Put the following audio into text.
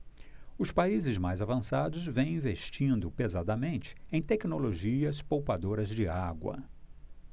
os países mais avançados vêm investindo pesadamente em tecnologias poupadoras de água